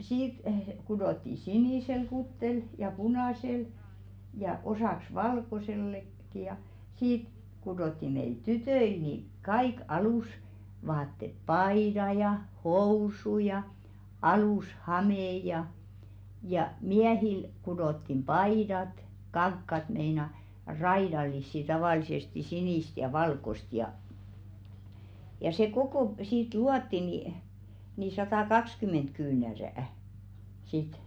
siitä kudottiin sinisellä kuteella ja punaisella ja osaksi - valkoisellakin ja siitä kudottiin meille tytöille niin kaikki alusvaatteet paidat ja housut ja alushame ja ja miehille kudottiin paidat kankaat meinaan raidallisia tavallisesti sinistä ja valkoista ja ja se koko siitä luotiin niin niin satakaksikymmentä kyynärää sitten